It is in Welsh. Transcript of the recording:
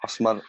Os ma'r